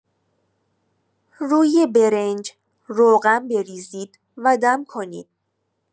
روی برنج، روغن بریزید و دم کنید.